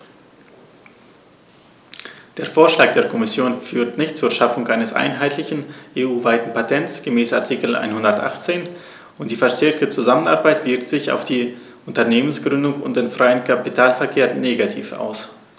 Der Vorschlag der Kommission führt nicht zur Schaffung eines einheitlichen, EU-weiten Patents gemäß Artikel 118, und die verstärkte Zusammenarbeit wirkt sich auf die Unternehmensgründung und den freien Kapitalverkehr negativ aus.